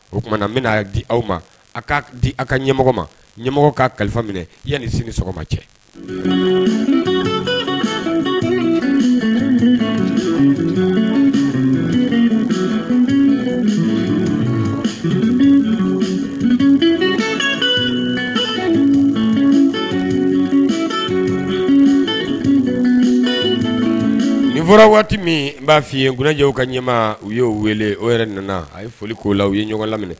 O tumaumana bɛna'a di aw ma a ka di aw ka ɲɛmɔgɔ ma ɲɛmɔgɔ ka kalifa minɛ yan sini sɔgɔma cɛ nin fɔra waati min n b'a fɔ i ye g yw ka ɲɛmaa u y'o weele o yɛrɛ nana a ye foli k'o la u ye ɲɔgɔn laminɛ